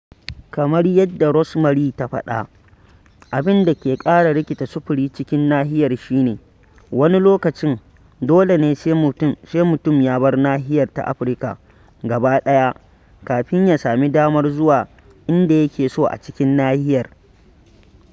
Kamar yadda Rosemary ta faɗa, abin da ke ƙara rikita sufuri cikin nahiyar shi ne wani lokacin dole ne sai mutum ya bar nahiyar ta Afirka gaba ɗaya kafin ya sami damar zuwa inda ya ke so a cikin nahiyar.